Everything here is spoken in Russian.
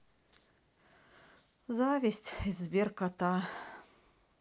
зависть из сберкота